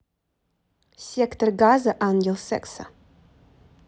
сектор газа ангел секса